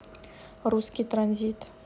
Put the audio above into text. русский транзит